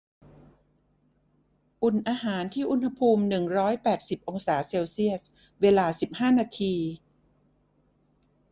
อุ่นอาหารที่อุณหภูมิหนึ่งร้อยแปดสิบองศาเซลเซียสเวลาสิบห้านาที